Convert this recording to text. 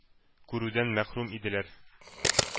Күрүдән мәхрүм иделәр.